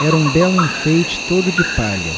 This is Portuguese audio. era um belo enfeite todo de palha